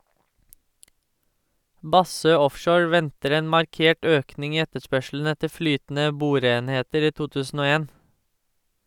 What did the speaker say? Bassøe Offshore venter en markert økning i etterspørselen etter flytende boreenheter i 2001.